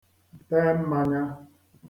te mmanya